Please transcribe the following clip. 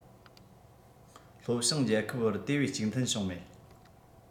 ལྷོ བྱང རྒྱལ ཁབ བར གྱི དེ བས གཅིག མཐུན བྱུང མེད